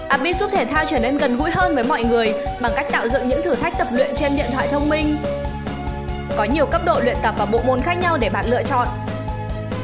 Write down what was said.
up beat giúp thể thao trở nên gần gũi hơn với mọi người bằng cách tạo dựng các thử thách tập luyện trên điện thoại thông minh có nhiều cấp độ luyện tập và bộ môn khác nhau để bạn lựa chọn